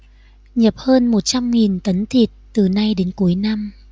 nhập hơn một trăm nghìn tấn thịt từ nay đến cuối năm